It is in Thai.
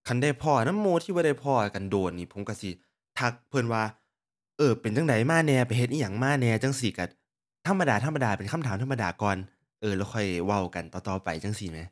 คันได้พ้อนำหมู่ที่บ่ได้พ้อกันโดนนี่ผมก็สิทักเพิ่นว่า เอ้อ เป็นจั่งใดมาแหน่ ไปเฮ็ดอิหยังมาแหน่จั่งซี้ก็ธรรมดาธรรมดาเป็นคำถามธรรมดาก่อน เอ้อ แล้วค่อยเว้ากันต่อต่อไปจั่งซี้แหม